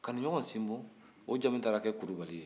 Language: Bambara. kanuɲɔgɔnsinbon o jamu taara kɛ kulibali ye